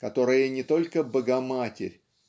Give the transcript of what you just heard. которая не только Богоматерь